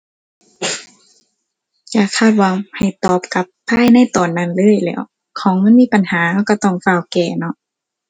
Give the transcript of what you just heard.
ก็คาดหวังให้ตอบกลับภายในตอนนั้นเลยแหล้ว ของมันมีปัญหาก็ก็ต้องฟ้าวแก้เนาะ